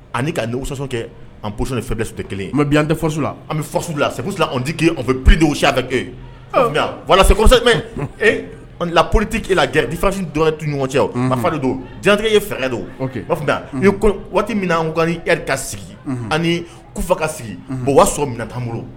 Ani'sasɔ kɛ an bo fɛn bɛ tɛ kelen mɛ bi an tɛla an bɛ fasola segu tɛ fɛ pdi si ka gɛn nka walasa lapoli tɛ e lafafin dɔn to ɲɔgɔn cɛ ka fa don jatigɛ ye fɛɛrɛ don ko waati min anri sigi ani kufaka sigi o wa sɔrɔ minɛ tan bolo